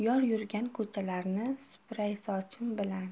yor yurgan ko'chalarni supuray sochim bilan